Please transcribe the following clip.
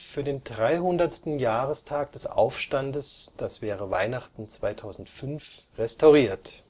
300. Jahrestag des Aufstandes (Weihnachten 2005) restauriert